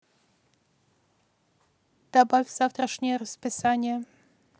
добавь в завтрашнее расписание